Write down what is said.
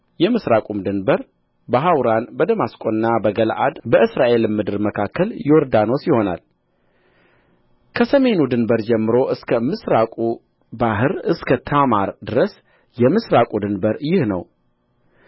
የምሥራቁም ድንበር በሐውራን በደማስቆና በገለዓድ በእስራኤልም ምድር መካከል ዮርዳኖስ ይሆናል ከሰሜኑ ድንበር ጀምሮ እስከ ምሥራቁ ባሕር እስከ ታማር ድረስ የምሥራቁ ድንበር ይህ ነው